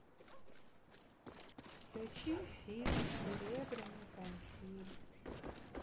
включи фильм серебряные коньки